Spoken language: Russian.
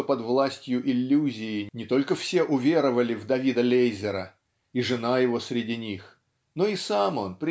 что под властью иллюзии не только все уверовали в Давида Лейзера и жена его среди них но и сам он